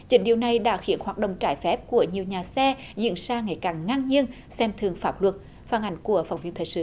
chính điều này đã khiến hoạt động trái phép của nhiều nhà xe diễn ra ngày càng ngang nhiên xem thường pháp luật phản ánh của phóng viên thời sự